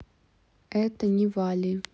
это не вали